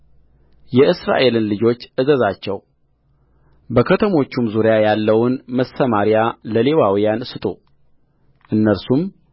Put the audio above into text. የእስራኤልን ልጆች እዘዛቸው በከተሞቹም ዙሪያ ያለውን መሰምርያ ለሌዋውያን ስጡእነርሱም